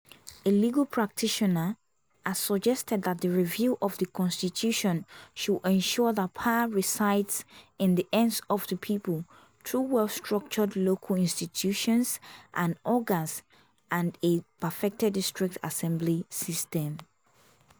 A legal practitioner has suggested that the review of the constitution should ensure that power resides in the hands of the people through well-structured local institutions and organs and a perfected district assembly system.